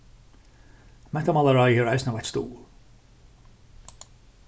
mentamálaráðið hevur eisini veitt stuðul